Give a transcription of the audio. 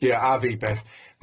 Ie a fi Beth.